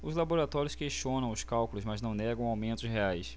os laboratórios questionam os cálculos mas não negam aumentos reais